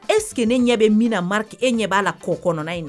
Est ce que_ : ne ɲɛ bɛ min na Mariki, e ɲɛ b'a la kɔ kɔnɔna in na.